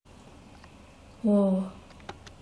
འོ